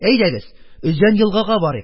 Әйдәгез, өзән елгага барыйк,